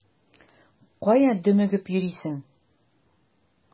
Кая дөмегеп йөрисең?